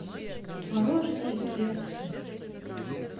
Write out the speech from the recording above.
творожные кексы